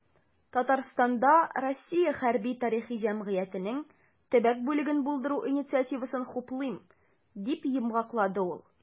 "татарстанда "россия хәрби-тарихи җәмгыяте"нең төбәк бүлеген булдыру инициативасын хуплыйм", - дип йомгаклады ул.